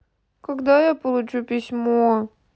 когда я получу письмо